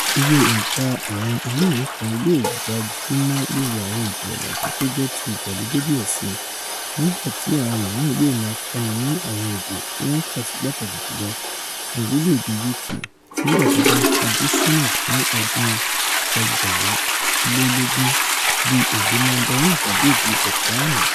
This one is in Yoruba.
Iye òǹkà àwọn ilé ìwé kan yóò gbájúmọ́ lórí àwọn èdè ọ̀làjú tójẹ́ ti ìgbàlódé díẹ̀ síi, nígbà tí àwọn mìíràn yóò máa kọ́ni ní àwọn êdè tí wọ́n kàsí pàtàkì jùlọ fún orílẹ̀-èdè UK nígbà tí a bá ńfojú ṣọ́nà fún ọdún 2020, bíi èdè Mandarin tabi èdè Japaanu.